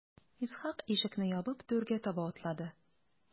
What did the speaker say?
Исхак ишекне ябып түргә таба атлады.